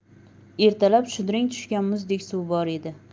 ertalab shudring tushgan muzdek suv bor edi